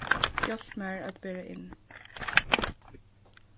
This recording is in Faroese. hjálp mær at bera inn